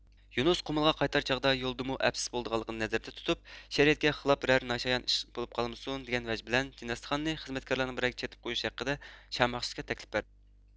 يۇنۇس قۇمۇلغا قايتار چاغدا يولدىمۇ ئەپسىز بولىدىغانلىقىنى نەزەردە تۇتۇپ شەرىئەتكە خىلاپ بىرەر ناشايان ئىش بولۇپ قالمىسۇن دېگەن ۋەج بىلەن جىنەستىخاننى خىزمەتكارلارنىڭ بىرەرىگە چېتىپ قويۇش ھەققىدە شامەخسۇتقا تەكلىپ بەردى